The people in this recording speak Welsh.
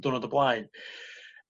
...diwrnod o blaen